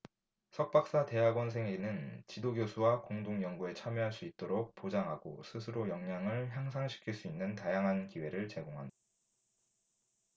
석 박사 대학원생에게는 지도교수와 공동 연구에 참여할 수 있도록 보장하고 스스로 역량을 향상시킬 수 있는 다양한 기회를 제공한다